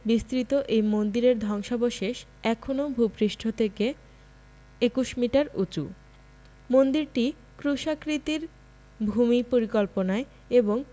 বিস্তৃত এ মন্দিরের ধ্বংসাবশেষ এখনও ভূ পৃষ্ঠ থেকে ২১ মিটার উঁচু মন্দিরটি ক্রুশাকৃতির ভূমি পরিকল্পনায় এবং